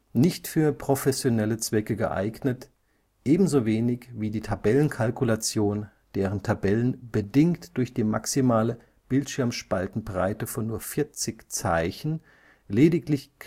nicht für professionelle Zwecke geeignet, ebenso wenig wie die Tabellenkalkulation, deren Tabellen bedingt durch die maximale Bildschirmspaltenbreite von nur 40 Zeichen lediglich